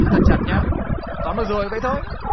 giữ thật chặt nhá tóm được rồi vậy thôi